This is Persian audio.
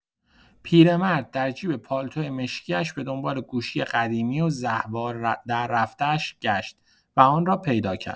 پیرمرد در جیب پالتوی مشکی‌اش به‌دنبال گوشی قدیمی و زهوار در رفته‌اش گشت و آن را پیدا کرد.